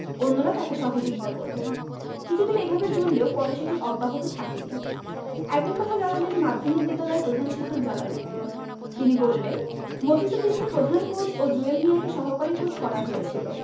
অন্যরা তাঁকে সহযোগিতা করবেন কিছুদিন এভাবে চললেও পরে সেটি অব্যাহত থাকেনি একই কথা জানালেন মাধ্যমিক বিদ্যালয়ের প্রধান শিক্ষক জালাল উদ্দিন তিনি বলেন মফিজ উদ্দিনকে প্রধান কোচ ও জুয়েল মিয়াকে সহকারী কোচ করা হয়েছিল